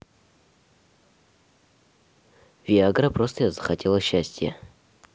виа гра просто я хотела счастья